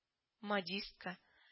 Модистка